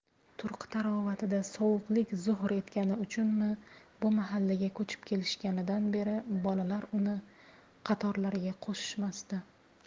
turqi tarovatida sovuqlik zuhr etgani uchunmi bu mahallaga ko'chib kelishganidan beri bolalar uni qatorlariga qo'shishmasdi